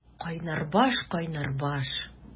Кайнар баш, кайнар баш!